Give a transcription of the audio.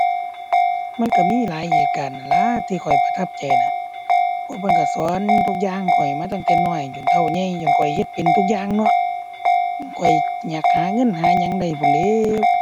โอ้ มันต้องรักษาไว้อยู่แล้ว ของมันมาแต่โดน แต่แบบ ผู้เฒ่าผู้แก่ มันก็ต้องรักษาไว้ตลอดต่อไป สืบต่อสู่ลูกสู่หลานพู้นล่ะ